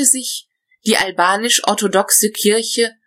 sich die albanisch-orthodoxe Kirche